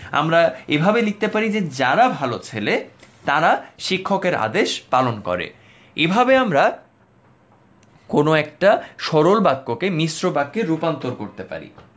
আমরা এভাবে লিখতে পারি যারা ভালো ছেলে তারা শিক্ষকের আদেশ পালন করে এভাবে আমরা কোন একটা সরল বাক্য কে মিশ্র বাক্যে রূপান্তর করতে পারি